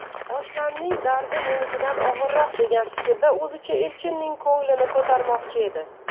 oshnamning dardi menikidan og'irroq degan fikrda o'zicha elchinning ko'nglini ko'tarmoqchi edi